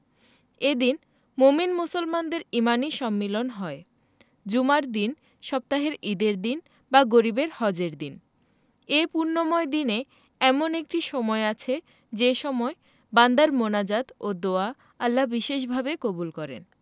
এদিন মোমিন মুসলমানদের ইমানি সম্মিলন হয় জুমার দিন সপ্তাহের ঈদের দিন বা গরিবের হজের দিন এ পুণ্যময় দিনে এমন একটি সময় আছে যে সময় বান্দার মোনাজাত ও দোয়া আল্লাহ বিশেষভাবে কবুল করেন